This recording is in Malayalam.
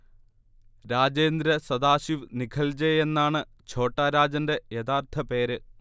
രാജേന്ദ്ര സദാശിവ് നിഖൽജെ യെന്നാണ് ഛോട്ടാ രാജന്റെ യഥാർത്ഥ പേര്